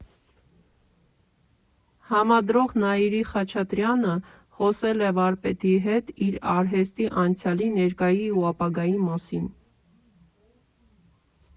Համադրող Նաիրի Խաչատուրեանը խոսել է վարպետի հետ իր արհեստի անցյալի, ներկայի ու ապագայի մասին։